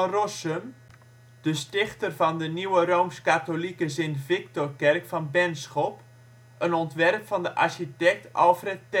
Rossum, de stichter van de nieuw rooms-katholieke Sint-Victorkerk van Benschop, een ontwerp van de architect Alfred